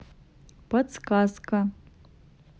подсказка